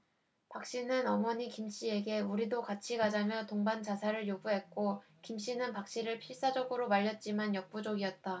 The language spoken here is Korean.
박씨는 어머니 김씨에게 우리도 같이 가자며 동반 자살을 요구했고 김씨는 박씨를 필사적으로 말렸지만 역부족이었다